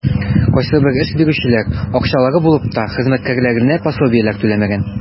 Кайсыбер эш бирүчеләр, акчалары булып та, хезмәткәрләренә пособиеләр түләмәгән.